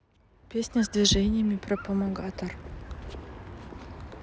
песня с движениями про помогатор